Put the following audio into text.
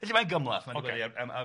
Felly, mae'n gymhleth, mae'n dda ia.